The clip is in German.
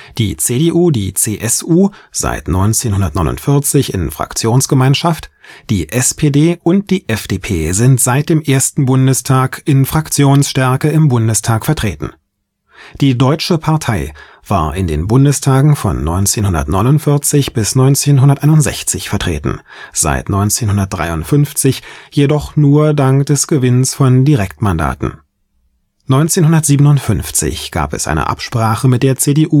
Die CDU, die CSU (seit 1949 in Fraktionsgemeinschaft), die SPD und die FDP sind seit dem 1. Bundestag in Fraktionsstärke im Bundestag vertreten. Die Deutsche Partei war in den Bundestagen von 1949 bis 1961 vertreten, seit 1953 jedoch nur dank des Gewinns von Direktmandaten. 1957 gab es eine Absprache mit der CDU, die